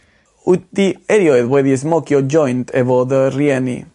Wyt ti erioe wedi smocio joint efo dy rhieni?